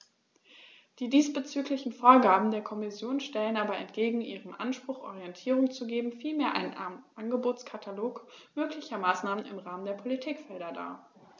Die diesbezüglichen Vorgaben der Kommission stellen aber entgegen ihrem Anspruch, Orientierung zu geben, vielmehr einen Angebotskatalog möglicher Maßnahmen im Rahmen der Politikfelder dar.